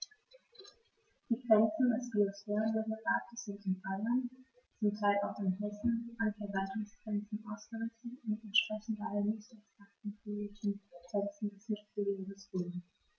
Die Grenzen des Biosphärenreservates sind in Bayern, zum Teil auch in Hessen, an Verwaltungsgrenzen ausgerichtet und entsprechen daher nicht exakten physischen Grenzen des Mittelgebirges Rhön.